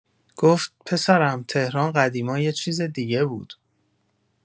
گفت «پسرم، تهران قدیما یه چیز دیگه بود.»